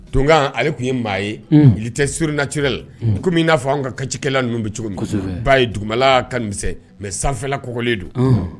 Donkan ale tun ye maa ye i tɛ suruninati la kɔmi n'a fɔ an ka cikɛla ninnu bɛ cogo ba ye dugula kamisɛn mɛ sanfɛla kɔkɔlen don